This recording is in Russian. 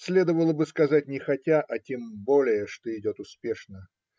Следовало бы сказать не хотя, а тем более, что идет успешно.